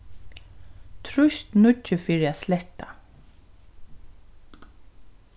trýst níggju fyri at sletta